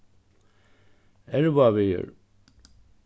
ervavegur